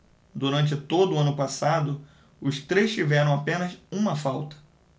durante todo o ano passado os três tiveram apenas uma falta